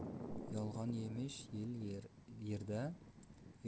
yolg'on yetmish yil yerda